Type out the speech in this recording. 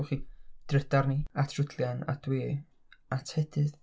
Gewch chi drydar ni at Rwdlian a dwi at Hedydd.